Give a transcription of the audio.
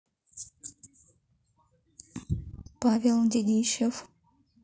павел дедищев